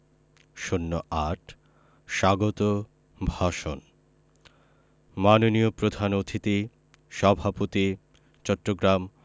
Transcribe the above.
০৮ স্বাগত ভাষণ মাননীয় প্রধান অতিথি সভাপতি চট্টগ্রাম